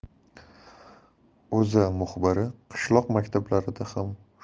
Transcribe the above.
o'za muxbiri qishloq maktablarida ham shundaymi degan